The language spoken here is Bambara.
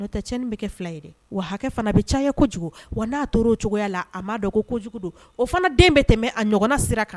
Ye wa hakɛ fana bɛ caya ye kojugu wa n'a o cogoya la a dɔn ko kojugu don o fana den bɛ tɛmɛ a ɲɔgɔn sira kan